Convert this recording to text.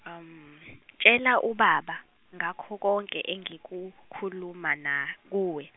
tshela ubaba ngakho konke engikukhuluma na kuwe.